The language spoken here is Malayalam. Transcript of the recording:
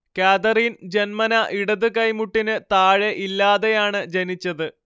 കാതറീൻ ജന്മനാ ഇടത് കൈമുട്ടിന് താഴെ ഇല്ലാതെയാണ് ജനിച്ചത്